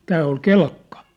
tämä oli Kelkka